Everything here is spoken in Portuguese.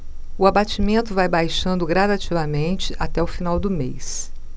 o abatimento vai baixando gradativamente até o final do mês